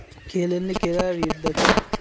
kelinni kelar yilda ko'r